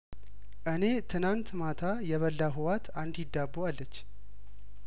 እኔ ትናንት ማታ የበላሁዋት አንዲት ዳቦ አለች